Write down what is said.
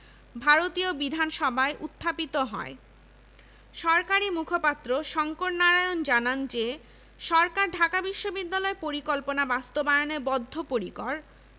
কাউন্সিলে উত্থাপিত বিলটি বিবেচনার জন্য পাঠায় নভেম্বর মাসের ১ তারিখে কলকাতা বিশ্ববিদ্যালয় সিনেট বিলটি পরীক্ষা করার জন্য ৯ সদস্য বিশিষ্ট একটি কমিটি গঠন করে